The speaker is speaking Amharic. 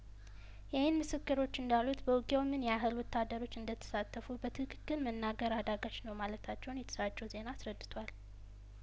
ያይን ምስክሮች እንዳሉት በውጊያውምን ያህል ወታደሮች እንደተሳተፉ በትክክል መናገር አዳጋች ነው ማለታቸውን የተሰራጨው ዜና አስረድቷል